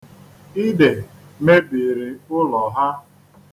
Ide mebiri ụlọ ha.